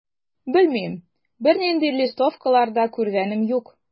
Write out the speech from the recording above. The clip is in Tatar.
Белмим, бернинди листовкалар да күргәнем юк.